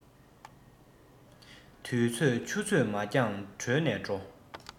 དུས ཚོད ཆུ ཚོད མ འགྱངས གྲོལ ནས འགྲོ